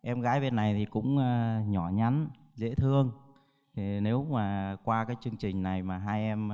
em gái bên này thì cũng a nhỏ nhắn dễ thương hì nếu mà qua cái chương trình này mà hai em